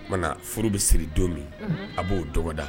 furu bɛ siri don min a b'o dɔgɔda.